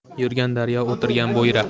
yurgan daryo o'tirgan bo'yra